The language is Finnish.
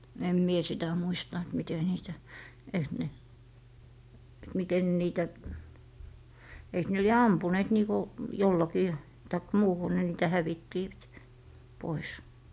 en minä sitä muista että miten niitä eikös ne että miten ne niitä eikö ne lie ampuneet niin kuin jollakin tai muuhun ne niitä hävittivät pois